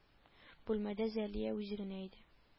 Бүлмәдә зәлия үзе генә иде